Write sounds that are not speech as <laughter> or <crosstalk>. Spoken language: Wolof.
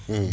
<hesitation> <hesitation>